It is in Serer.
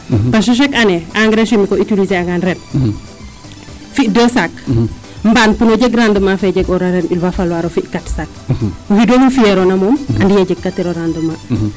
parce que chaque année engrais chimique o utiliser angaan ren fi deux sac mbaan pour o jeg rendement fee jeg oona il va falloir o fi quatre sac o xiidolu fiyeroona moom andiye jeg ka tiro rendemnt